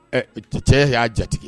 Ɛ cɛ y'a jatigi ye